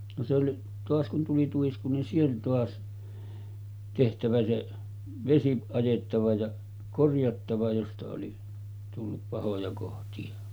no se oli taas kun tuli tuisku niin se oli taas tehtävä se vesi ajettava ja korjattava josta oli tullut pahoja kohtia